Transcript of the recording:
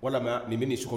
Walima nin bɛ ni sogo